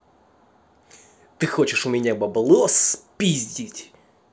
ты хочешь у меня баблос пиздить